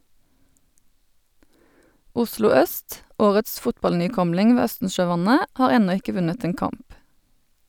Oslo Øst - årets fotballnykomling ved Østensjøvannet - har ennå ikke vunnet en kamp.